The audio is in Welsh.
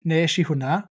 Wnes i hwnna.